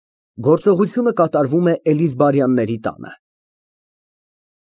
Գործողությունը կատարվում է Էլիզբարյանների տանը։